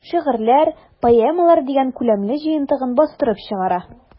"шигырьләр, поэмалар” дигән күләмле җыентыгын бастырып чыгара.